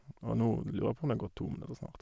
Og nå lurer jeg på om det har gått to minutter snart.